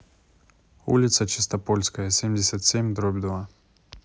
улица чистопольская семьдесят семь дробь два